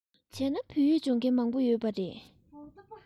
བྱས ན བོད ཡིག སྦྱོང མཁན མང པོ ཡོད པ རེད